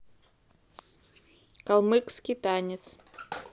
калмыкский танец